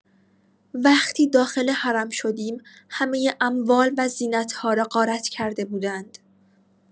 وقتی داخل حرم شدیم، همۀ اموال و زینت‌ها را غارت کرده بودند.